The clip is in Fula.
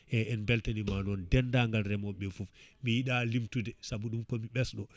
eyyi en beltanima noon dendangal reemoɓe foof mi yiiɗa limtude saabu ɗum komi ɓesɗo